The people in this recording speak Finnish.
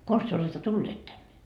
konsa te olette tulleet tänne